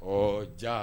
Ɔ ja